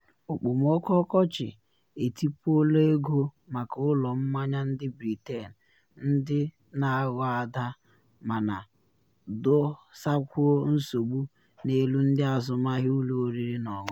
Okpomọkụ ọkọchị etipuola ego maka ụlọ mmanya ndị Britain ndị na aghọ ada mana dosakwuo nsogbu n’elu ndị azụmahịa ụlọ oriri na ọṅụṅụ.